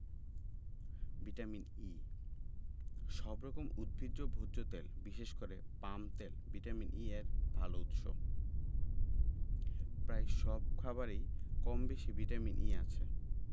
vitamin E সব রকম উদ্ভিজ্জ ভোজ্য তেল বিশেষ করে পাম তেল ভিটামিন E এর ভালো উৎস প্রায় সব খাবারেই কমবেশি ভিটামিন E আছে